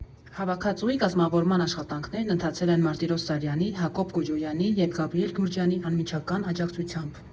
Հավաքածուի կազմավորման աշխատանքներն ընթացել են Մարտիրոս Սարյանի, Հակոբ Կոջոյանի և Գաբրիել Գյուրջյանի անմիջական աջակցությամբ։